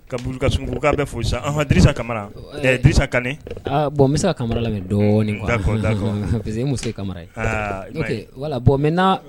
Ka sunkan bɛ foɔnsa kamarasa kan bɔnsa kamara la muso se kama wala bɔn